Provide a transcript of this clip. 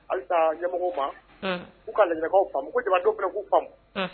Hali taa ɲɛmɔgɔ ma u kakaw faamu ko jamadenw bɛ k'u faamu